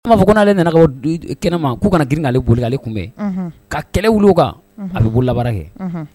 A fɔ koale nana kɛnɛma k'u kana grinkali bolikale kunbɛn ka kɛlɛ wolo kan a bɛ bolo kɛ